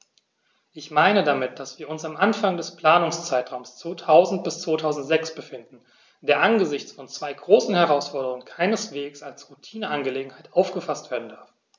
Ich meine damit, dass wir uns am Anfang des Planungszeitraums 2000-2006 befinden, der angesichts von zwei großen Herausforderungen keineswegs als Routineangelegenheit aufgefaßt werden darf.